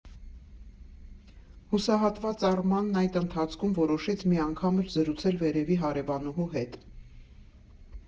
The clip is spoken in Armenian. Հուսահատված Արմանն այդ ընթացքում որոշեց մի անգամ էլ զրուցել վերևի հարևանուհու հետ։